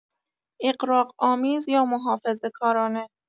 اغراق‌آمیز یا محافظه‌کارانه